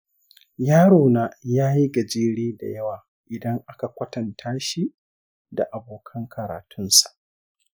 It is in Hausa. yarona ya yi gajere da yawa idan aka kwatanta shi da abokan karatunsa.